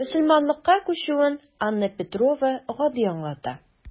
Мөселманлыкка күчүен Анна Петрова гади аңлата.